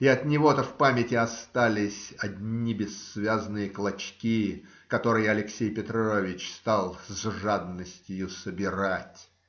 И от него-то в памяти остались одни бессвязные клочки, которые Алексей Петрович стал с жадностью собирать.